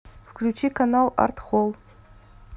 включи канал арт холл